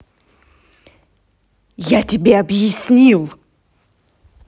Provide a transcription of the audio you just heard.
я тебе обяснил